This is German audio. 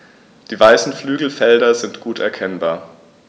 Die weißen Flügelfelder sind gut erkennbar.